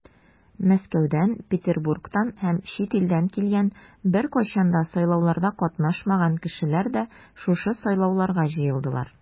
Мәскәүдән, Петербургтан һәм чит илдән килгән, беркайчан да сайлауларда катнашмаган кешеләр дә шушы сайлауларга җыелдылар.